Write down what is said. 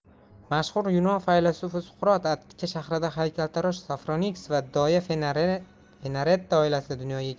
mashhur yunon faylasufi suqrot attika shahrida haykaltarosh sofroniks va doya fenaretta oilasida dunyoga keldi